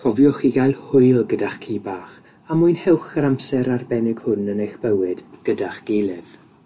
Cofiwch i gael hwyl gyda'ch ci bach a mwynhewch yr amser arbennig hwn yn eich bywyd gyda'ch gilydd.